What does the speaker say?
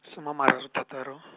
soma a mararo thataro .